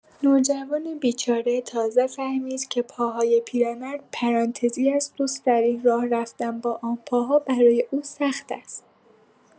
نوجوان بیچاره تازه فهمید که پاهای پیرمرد پرانتزی است و سریع راه‌رفتن با آن پاها برای او سخت است!